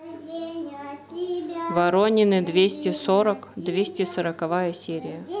воронины двести сорок двести сороковая серия